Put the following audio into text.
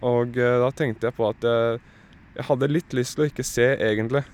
Og da tenkte jeg på at jeg jeg hadde litt lyst til å ikke se, egentlig.